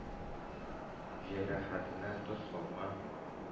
Җәрәхәтенә тоз салма“,